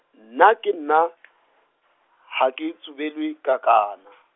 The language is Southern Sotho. nna ke nna , ha ke tsubelwe kakana.